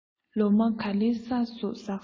ལོ མ ག ལེར ས རུ ཟགས བྱུང